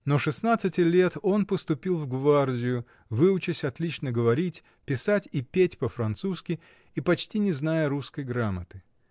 Но шестнадцати лет он поступил в гвардию, выучась отлично говорить, писать и петь по-французски и почти не зная русской грамоты.